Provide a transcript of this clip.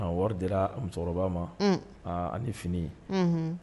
Wari di musokɔrɔba ma ani fini